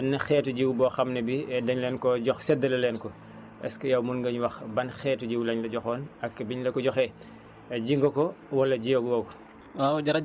am na benn xeetu jiw boo xam ne bii dañ leen koo jox séddale leen ko est ce que yow mun nga ñu wax ban xeetu jiw lañ la joxoon ak biñ la ko joxee ji nga ko wala jiyagoo ko